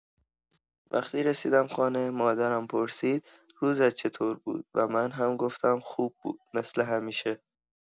وقتی رسیدم خانه، مادرم پرسید روزت چطور بود و من هم گفتم خوب بود، مثل همیشه.